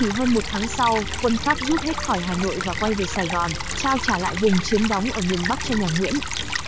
chỉ hơn tháng sau quân pháp rút hết khỏi hà nội và quay về sài gòn trao trả lại vùng chiếm đóng ở miền bắc cho nhà nguyễn